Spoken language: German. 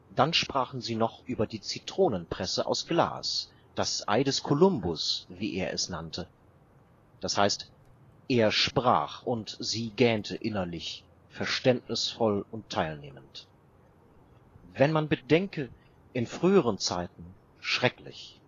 Dann sprachen sie noch über die Zitronen-Presse aus Glas, das ‚ Ei des Columbus ‘, wie er es nannte. Das heißt, er sprach, und sie gähnte innerlich, verständnisvoll und teilnehmend. ‚ Wenn man bedenke, in früheren Zeiten, schrecklich